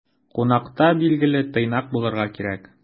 Кунакта, билгеле, тыйнак булырга кирәк.